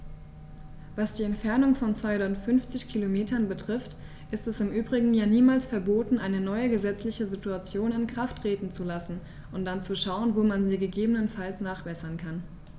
Was die Entfernung von 250 Kilometern betrifft, ist es im Übrigen ja niemals verboten, eine neue gesetzliche Situation in Kraft treten zu lassen und dann zu schauen, wo man sie gegebenenfalls nachbessern kann.